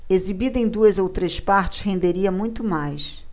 exibida em duas ou três partes renderia muito mais